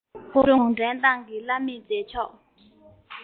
ཀྲུང གོ གུང ཁྲན ཏང གི བླ མེད མཛད ཕྱོགས